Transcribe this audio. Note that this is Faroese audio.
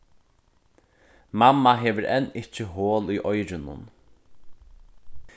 mamma hevur enn ikki hol í oyrunum